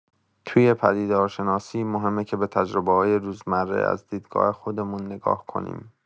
توی پدیدارشناسی، مهمه که به تجربه‌های روزمره از دیدگاه خودمون نگاه کنیم.